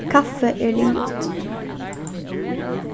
kaffið er liðugt